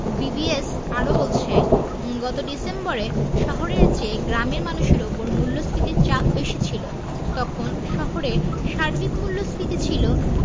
BBS আরও বলছে গত ডিসেম্বরে শহরের চেয়ে গ্রামের মানুষের ওপর মূল্যস্ফীতির চাপ বেশি ছিল তখন শহরে সার্বিক মূল্যস্ফীতি ছিল